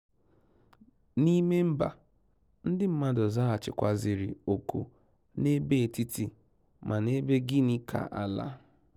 N'ime mba, ndị mmadụ zaghachikwazịrị òkù n'ebe Etiti ma n'ebe Guinea Ka Ala.